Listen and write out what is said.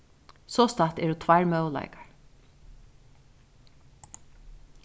sostatt eru tveir møguleikar